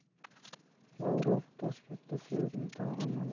lavrov toshkentda sevimli taomi